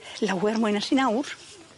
Lawer mwy na sy nawr.